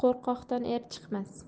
qo'rqoqdan er chiqmas